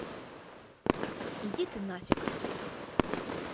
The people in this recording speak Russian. иди ты нафиг